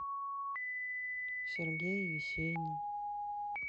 сергей есенин